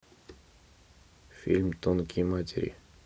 фильм тонкие материи